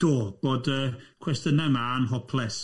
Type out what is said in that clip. Do, bod y cwestiynau yma yn hopeless.